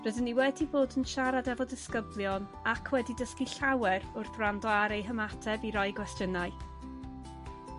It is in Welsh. Rydyn ni wedi bod yn siarad efo disgyblion ac wedi dysgu llawer wrth wrando ar eu hymateb i rai gwestiynau.